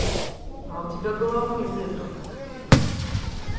а у тебя головы нету